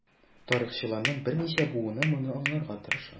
Тарихчыларның берничә буыны моны аңларга тырыша.